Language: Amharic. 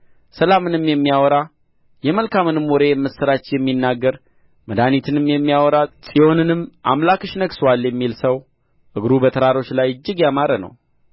ሰላምንም የሚያወራ የመልካምንም ወሬ የምስራች የሚናገር መድኃኒትንም የሚያወራ ጽዮንንም አምላክሽ ነግሦአል የሚል ሰው እግሩ በተራሮች ላይ እጅግ ያማረ ነው